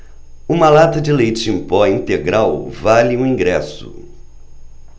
uma lata de leite em pó integral vale um ingresso